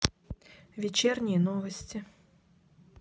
вечерние новости